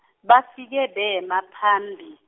bafike bema phambi.